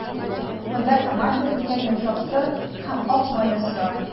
Монда «Камамбер» дигән йомшак сыр һәм ак май ясыйлар.